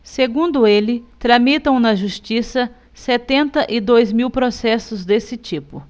segundo ele tramitam na justiça setenta e dois mil processos desse tipo